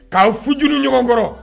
K' fuj ɲɔgɔn kɔrɔ